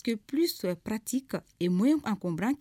Pa quepurrisp parati ka mɔ kɛ